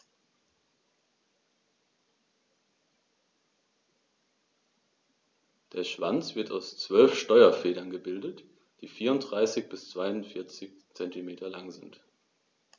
Der Schwanz wird aus 12 Steuerfedern gebildet, die 34 bis 42 cm lang sind.